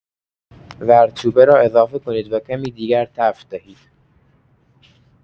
زردچوبه را اضافه کنید و کمی دیگر تفت دهید.